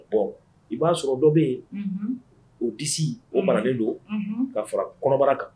Bɔn i b'a sɔrɔ dɔ bɛ yen o di o maralen don ka fara kɔnɔbara kan